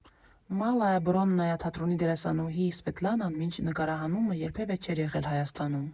Մալայա Բրոննայա թատրոնի դերասանուհի Սվետլանան, մինչ նկարահանումը, երբևէ չէր եղել Հայաստանում։